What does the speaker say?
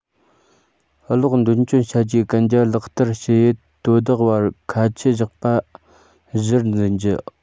གློག འདོན སྤྱོད བྱ རྒྱུའི གན རྒྱ ལག བསྟར བྱེད ཡུལ དོ བདག བར ཁ ཆད བཞག པ གཞིར འཛིན རྒྱུ